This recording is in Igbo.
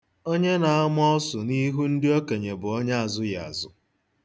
Onye na-ama ọsụ n'ihu ndị okenye bụ onye azụghị azụ.